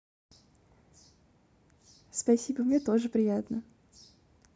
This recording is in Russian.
спасибо мне тоже приятно